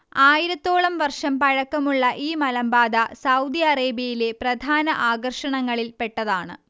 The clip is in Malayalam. ആയിരത്തോളം വർഷം പഴക്കമുള്ള ഈ മലമ്പാത സൗദി അറേബ്യയിലെ പ്രധാന ആകർഷണങ്ങളിൽ പെട്ടതാണ്